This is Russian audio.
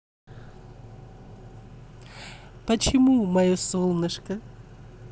почему мое солнышко